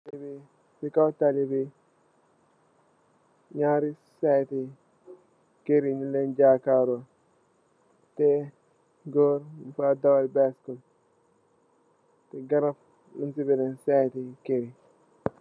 Ci kaw talli bi amnah nyerri kerr you jakar lo am gorr bouye dawal baycicle ci yon bi